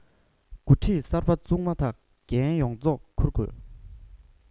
འགོ ཁྲིད གསར པ བཙུགས མ ཐག འགན ཡོངས རྫོགས འཁུར དགོས